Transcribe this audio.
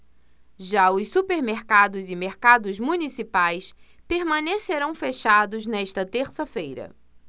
já os supermercados e mercados municipais permanecerão fechados nesta terça-feira